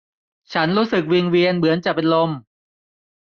ฉันรู้สึกวิงเวียนเหมือนจะเป็นลม